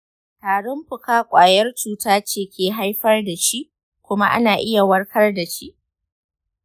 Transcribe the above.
tarin fuka ƙwayar cuta ce ke haifar da shi kuma ana iya warkar da shi.